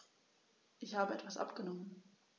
Ich habe etwas abgenommen.